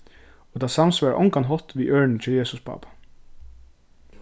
og tað samsvarar á ongan hátt við ørindini hjá jesus pápa